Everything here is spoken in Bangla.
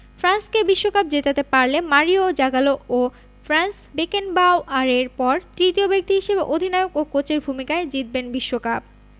ফ্রান্সকে বিশ্বকাপ জেতাতে পারলে মারিও জাগালো ও ফ্রাঞ্জ বেকেনবাওয়ারের পর তৃতীয় ব্যক্তি হিসেবে অধিনায়ক ও কোচের ভূমিকায় জিতবেন বিশ্বকাপ